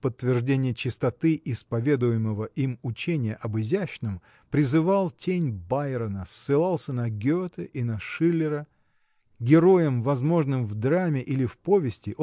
в подтверждение чистоты исповедуемого им учения об изящном призывал тень Байрона ссылался на Гете и на Шиллера. Героем возможным в драме или в повести